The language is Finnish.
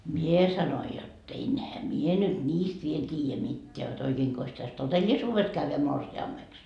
minä sanoin jotta enhän minä nyt niistä vielä tiedä mitään jotta oikeinkos tässä todellisuudessa käydä morsiameksi